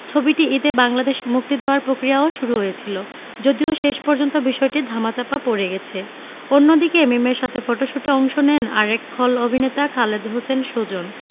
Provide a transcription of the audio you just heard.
ছবিটি ঈদে বাংলাদেশ মুক্তি দেয়ার প্রক্রিয়াও শুরু হয়েছিল যদিও শেষ পর্যন্ত বিষয়টি ধামাচাপা পড়ে গেছে অন্যদিকে মিমের সাথে ফটশুটে অংশ নেন আরেক খল অভিনেতা খালেদ হোসেন সুজন